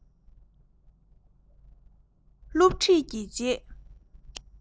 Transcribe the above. སློབ ཁྲིད ཀྱི རྗེས